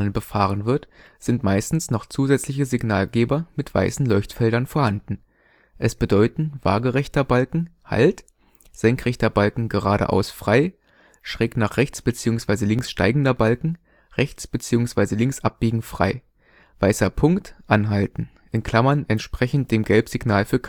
befahren wird, sind meistens noch zusätzliche Signalgeber mit weißen Leuchtfeldern vorhanden. Es bedeuten: waagerechter Balken = halt, senkrechter Balken = geradeaus frei, schräg nach rechts bzw. links steigender Balken = rechts bzw. links abbiegen frei. Weißer Punkt = anhalten (entsprechend dem Gelbsignal für